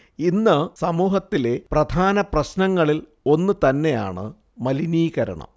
ഇന്ന് സമൂഹത്തിലെ പ്രധാന പ്രശ്നങ്ങളിൽ ഒന്നു തന്നെയാണ് മലിനീകരണം